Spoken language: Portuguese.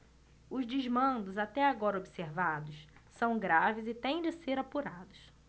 os desmandos até agora observados são graves e têm de ser apurados